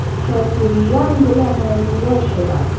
Шакирҗан белән Рамилә чыга.